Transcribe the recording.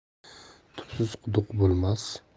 tubsiz quduq bo'lmas